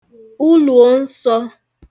uluò nsọ̄